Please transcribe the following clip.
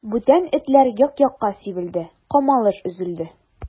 Бүтән этләр як-якка сибелде, камалыш өзелде.